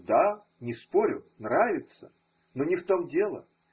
Да, не спорю, нравится, но не в том дело.